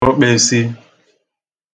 okpesi